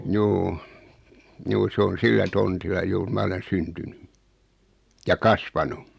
juu juu se on sillä tontilla juuri minä olen syntynyt ja kasvanut